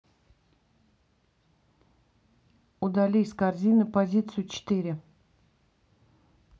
удали из корзины позицию четыре